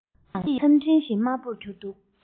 ས གཞི ཡང མཚམས སྤྲིན བཞིན དམར པོ གྱུར འདུག